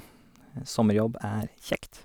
Sommerjobb er kjekt.